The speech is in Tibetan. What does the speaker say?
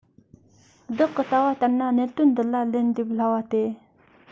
བདག གི ལྟ བ ལྟར ན གནད དོན འདི ལ ལན འདེབས སླ བ སྟེ